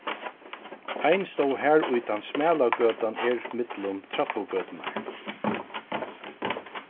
ein stóð har ið tann smala gøtan er millum trappugøturnar